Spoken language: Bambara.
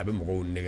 A bɛ mɔgɔw nɛgɛn